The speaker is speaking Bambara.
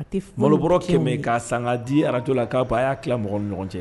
A malobɔ kɛlen min'a sanga di araj la k'a ban a y'a tilala mɔgɔ ɲɔgɔn cɛ